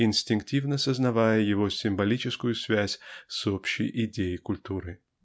инстинктивно сознавая его символическую связь с общей идеей культуры.